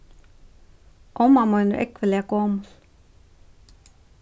omma mín er ógvuliga gomul